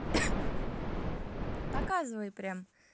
показывай прям